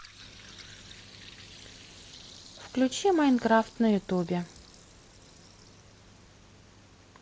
включи майнкрафт на ютубе